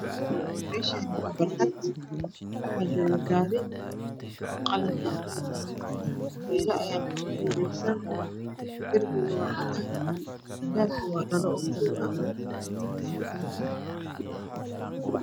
Meshani aaa barxad waxaa jokga gari qalin ah gedo ayaa dusha ku wareegsan derbiga waa cadan albabka waa dhalo madoow ah